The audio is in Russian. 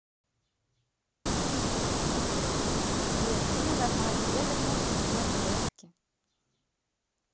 сбер у меня нормально я вернулся из командировки